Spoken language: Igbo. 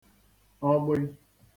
ọgbị